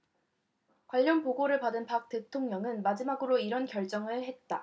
관련 보고를 받은 박 대통령은 마지막으로 이런 결정을 했다